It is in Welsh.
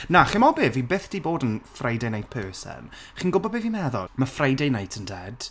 Na, chimo be, fi byth 'di bod yn Friday night person chi'n gwybod be fi'n meddwl mae Friday night yn dead.